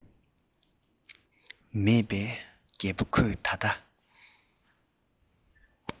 མེད པས རྒད པོ ཁོས ད ལྟ